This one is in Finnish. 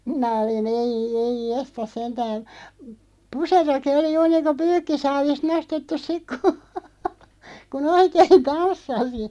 minä olin ei ei jestas sentään puserokin oli juuri niin kuin pyykkisaavista nostettu sitten kun kun oikein tanssi